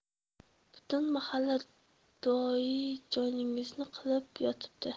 butun mahalla duoi joningizni qilib yotibdi